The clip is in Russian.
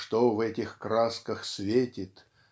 что в этих красках светит